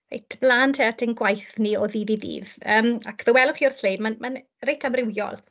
Reit mlan te at ein gwaith ni o ddydd i ddydd, yym ac fe welwch chi o'r sleid, ma'n ma'n reit amrywiol.